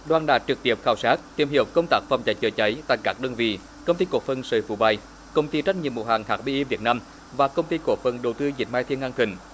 đoàn đã trực tiếp khảo sát tìm hiểu công tác phòng cháy chữa cháy tại các đơn vị công ty cổ phần sợi phú bài công ty trách nhiệm hữu hạn hát bê y việt nam và công ty cổ phần đầu tư dệt may thiên an thịnh